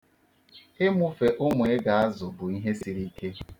Ịmụfe ụmụ Ị ga-azụ bụ ihe siri ike.